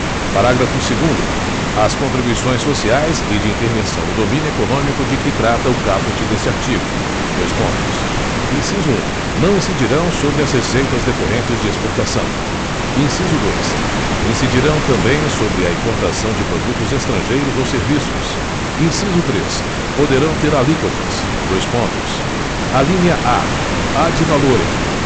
parágrafo segundo as contribuições sociais e de intervenção no domínio econômico de que trata o caput deste artigo dois pontos inciso um não incidirão sobre as receitas decorrentes de exportação inciso dois incidirão também sobre a importação de produtos estrangeiros ou serviços inciso três poderão ter alíquotas dois pontos alínea a ad valorem